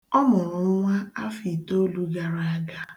Ọ mụrụ nwa afọ itolu gara aga.